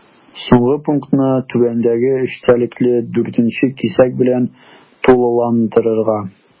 Соңгы пунктны түбәндәге эчтәлекле 4 нче кисәк белән тулыландырырга.